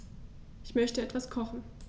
Ich möchte etwas kochen.